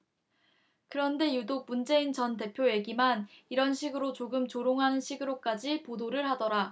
그런데 유독 문재인 전 대표 얘기만 이런 식으로 조금 조롱하는 식으로까지 보도를 하더라